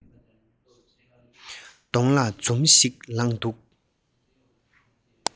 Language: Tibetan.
གདོང ལ འཛུམ ཞིག ལངས འདུག